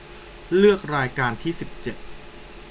เลือกรายการที่สิบเจ็ด